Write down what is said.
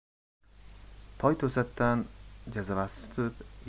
toy to'satdan jazavasi tutib